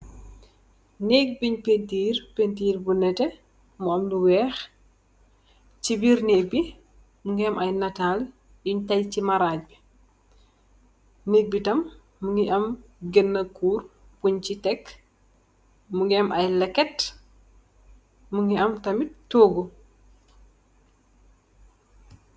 Nëëk buñg peentiir peentir bu nétte, Moog lu weex. Ci biir neek bi, mungi am ay nataal yuñge Tay si maraaj bi, nëëk bi tam, mu ngi am gënnë ak kur yuñg fi tek, mu ngi am ay leeket, mu ngi am tamit toogu.